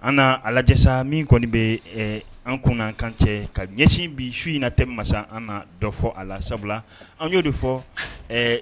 An na a lajɛsa min kɔni bɛ an kunna kan cɛ ka ɲɛsin bi su in na tɛ masa an na dɔ fɔ a la sabula an y'o de fɔ